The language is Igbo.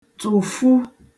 tụ̀fu